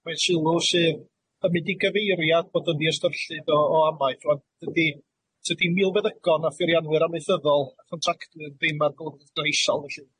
Mae'n sylw sydd yn mynd i gyfeiriad bod yn ddiystyrllyd o o amaeth. Wan dydi- tydi milfeddygon a pheirianwyr amaethyddol, contractwyr, ddim ar gyflogau isel felly.